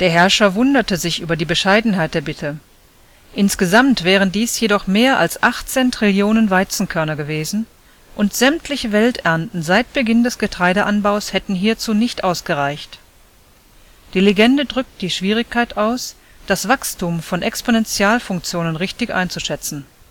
Herrscher wunderte sich über die Bescheidenheit der Bitte. Insgesamt wären dies jedoch mehr als 18 Trillionen Weizenkörner gewesen, und sämtliche Welternten seit Beginn des Getreideanbaus hätten hierzu nicht ausgereicht. Die Legende drückt die Schwierigkeit aus, das Wachstum von Exponentialfunktionen richtig einzuschätzen